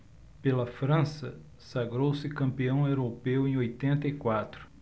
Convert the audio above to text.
pela frança sagrou-se campeão europeu em oitenta e quatro